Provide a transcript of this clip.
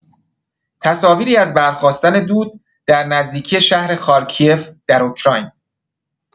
تصاویری از برخاستن دود در نزدیکی شهر «خارکیف» در اوکراین